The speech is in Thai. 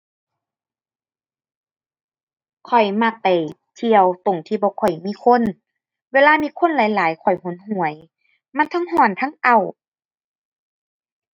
ข้อยมักไปเที่ยวตรงที่บ่ค่อยมีคน เวลามีคนหลายหลายข้อยหนหวย มันเทิงร้อนเทิงอ้าว